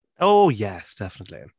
Oh yes, definitely.